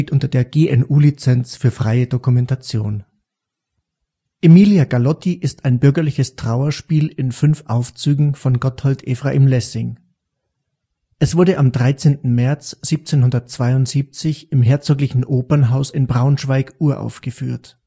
unter der GNU Lizenz für freie Dokumentation. Emilia Galotti ist ein bürgerliches Trauerspiel in fünf Aufzügen von Gotthold Ephraim Lessing. Es wurde am 13. März 1772 im Herzoglichen Opernhaus in Braunschweig uraufgeführt